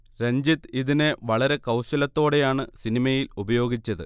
രഞ്ജിത് ഇതിനെ വളരെ കൗശലത്തോടെയാണ് സിനിമയിൽ ഉപയോഗിച്ചത്